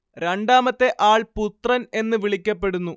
രണ്ടാമത്തെ ആൾ പുത്രൻ എന്ന് വിളിക്കപ്പെടുന്നു